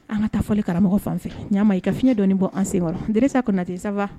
An ka taa fɔli karamɔgɔ fan'a ma i ka fiɲɛ dɔ ni bɔ an sen n dɛsɛsa kɔnɔna tɛ saba